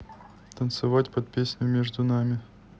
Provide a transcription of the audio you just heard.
танцевать под песню между нами